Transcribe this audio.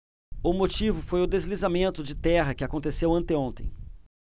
o motivo foi o deslizamento de terra que aconteceu anteontem